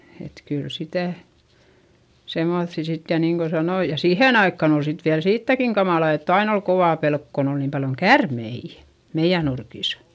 että kyllä sitä semmoisia sitten ja niin kuin sanoin ja siihen aikaan oli sitten vielä siitäkin kamala että aina oli kova pelko kun oli niin paljon käärmeitä meidän nurkissa